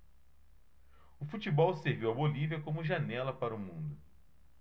o futebol serviu à bolívia como janela para o mundo